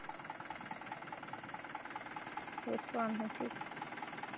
руслан утюг